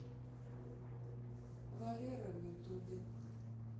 валера в ютубе